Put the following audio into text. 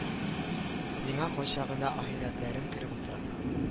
Миңа кайчагында ахирәтләрем кереп утыра